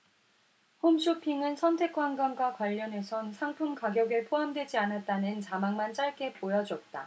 홈쇼핑은 선택관광과 관련해선 상품 가격에 포함되지 않았다는 자막만 짧게 보여줬다